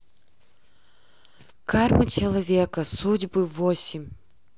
карма человека судьбы восемь